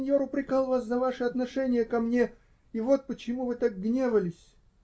синьор упрекал вас за ваши отношения ко мне, и вот почему вы так гневались!